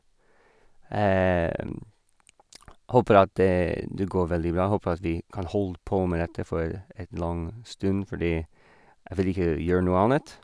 Håper at det det går veldig bra, håper vi at vi kan holde på med dette for et lang stund, fordi jeg vil ikke gjøre noe annet.